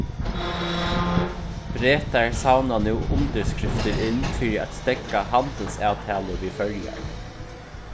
bretar savna nú undirskriftir inn fyri at steðga handilsavtalu við føroyar